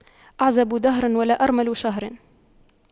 أعزب دهر ولا أرمل شهر